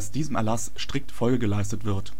diesem Erlass strikt Folge geleistet wird